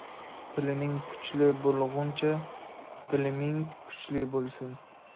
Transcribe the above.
piling kuchli bo'lguncha biliming kuchli bo'lsin